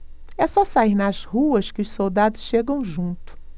é só sair nas ruas que os soldados chegam junto